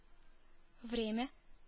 Время